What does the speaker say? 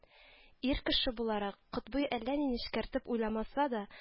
Ир кеше буларак, Котбый әллә ни нечкәртеп уйламаса да